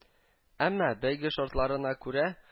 Әмма, бәйге шартларына күрә